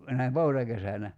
näin poutakesänä